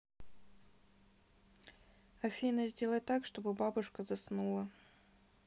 афина сделай так чтобы бабушка заснула